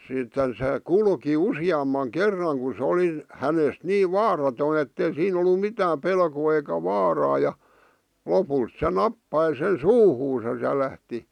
sitten se kulki useamman kerran kun se oli hänestä niin vaaraton että ei siinä ollut mitään pelkoa eikä vaaraa ja lopulta se nappasi sen suuhunsa ja lähti